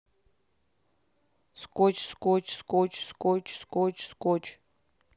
скотч скотч скотч скотч скотч скотч